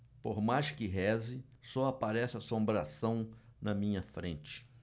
por mais que reze só aparece assombração na minha frente